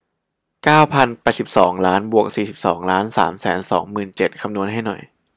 เก้าพันแปดสิบสองล้านบวกสี่สิบสองล้านสามแสนสองหมื่นเจ็ดคำนวณให้หน่อย